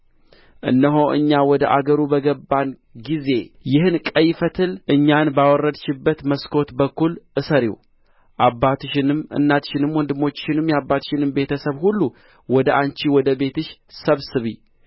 እነሆ እኛ ወደ አገሩ በገባን ጊዜ ይህን ቀይ ፈትል እኛን ባወረድሽበት መስኮት በኩል እሰሪው አባትሽንም እናትሽንም ወንድሞችሽንም የአባትሽንም ቤተ ሰብ ሁሉ ወደ አንቺ ወደ ቤትሽ ሰብስቢ